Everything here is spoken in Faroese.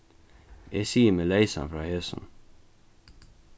eg sigi meg leysan frá hesum